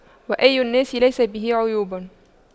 وأي الناس ليس به عيوب